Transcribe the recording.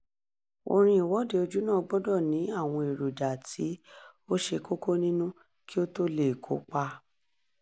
Orin Ìwọ́de Ojúnà gbọdọ̀ ní àwọn èròjà tí ó ṣe kókó nínú kí ó tó lè kópa: